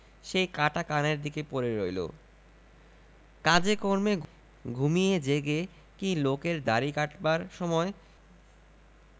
সেই কাটা কানের দিকে পড়ে রইল কাজে কর্মে ঘুমিয়ে জেগে কী লোকের দাড়ি কাটবার সময়